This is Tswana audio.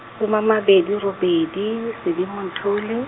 soma a mabedi robedi, Sedimonthole.